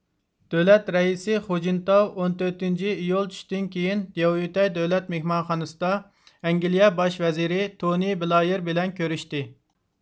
دۆلەت رەئىسى خۇجىنتاۋ ئون تۆتىنچى ئىيۇل چۈشتىن كېيىن دياۋيۈتەي دۆلەت مېھمانخانىسىدا ئەنگلىيە باش ۋەزىرى تونىي بلايىر بىلەن كۆرۈشتى